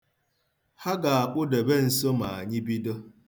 Ha ga-akpụdebe nso ma anyị bido.